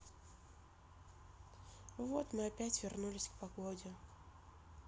вот мы опять вернулись к погоде